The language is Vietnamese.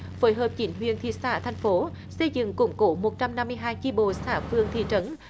phối hợp chín huyện thị xã thành phố xây dựng củng cổ một trăm năm mươi hai chi bộ xã phường thị trấn